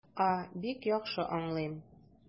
А, бик яхшы аңлыйм.